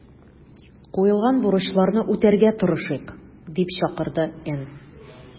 Куелган бурычларны үтәргә тырышыйк”, - дип чакырды Н.